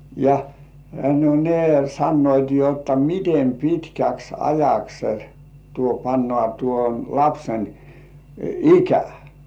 ja no ne sanoivat jotta miten pitkäksi ajaksi tuo pannaan tuon lapsen ikä